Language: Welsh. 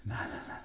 Na, na, na.